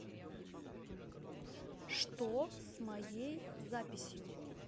что с моей записью